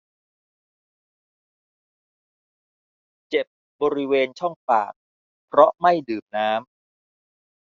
เจ็บบริเวณช่องปากเพราะไม่ดื่มน้ำ